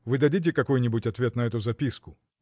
Вы дадите какой-нибудь ответ на эту записку?